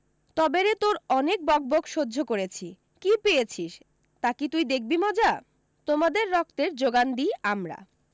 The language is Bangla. তবে রে তোর অনেক বকবক সহ্য করেছি কী পেয়েছিস তা কী তুই দেখবি মজা তোমাদের রক্তের যোগান দিই আমরা